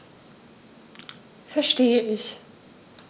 Verstehe nicht.